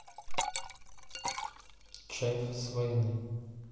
чайф с войны